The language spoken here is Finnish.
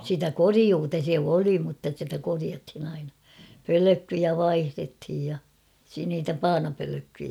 sitä korjuuta se oli mutta sitä korjattiin aina pölkkyjä vaihdettiin ja - niitä paanapölkkyjä